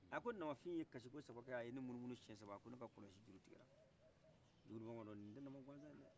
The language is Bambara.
a ko namafin ye kasi ko saba kɛ aye ne munumunu siyen saba ne ka kɔlɔsi juru tigɛra jugudu banbadɔ ni tɛ nama gansan ye dai